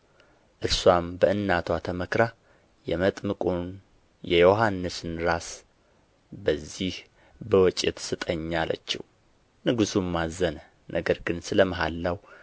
እርስዋም በእናትዋ ተመክራ የመጥምቁን የዮሐንስን ራስ በዚህ በወጭት ስጠኝ አለችው ንጉሡም አዘነ ነገር ግን ስለ መሐላው